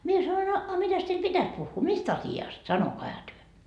minä sanoin a a mitäs teille pitäisi puhua mistä asiasta sanokaahan te